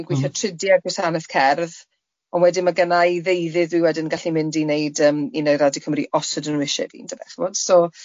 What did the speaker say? ...yn gweithio trudie ar gwasaneth cerdd ond wedyn ma gynna i ddeuddydd dwi wedyn yn gallu mynd i wneud yym i wneud Radio Cymru os ydyn nhw isie fi ond yfe ch'mod so... M-hm.